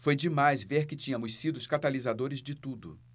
foi demais ver que tínhamos sido os catalisadores de tudo